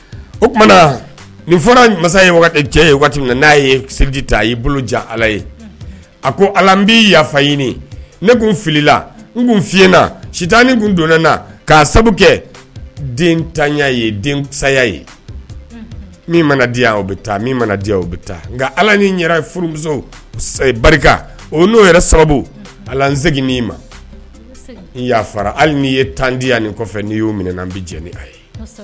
O tumaumana nin fɔra masa ye cɛ ye min n ye seliji ta bolo ala ye a ko ala b' yafa ɲini ne kun filila n fi na sitanani kun donna k' sabu kɛ den tanya ye den saya ye min mana di u bɛ taa min mana di u bɛ taa nka ala ni n yɛrɛ ye furumuso barika o n'o yɛrɛ sababu segegin ma yafara hali ni ye tan di nin kɔfɛ ni y' minɛn bɛ jɛ ni a ye